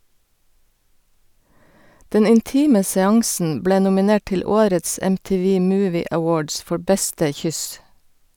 Den intime seansen ble nominert til årets MTV Movie Awards for beste kyss.